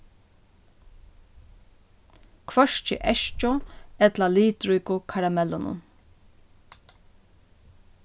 hvørki eskju ella litríku karamellunum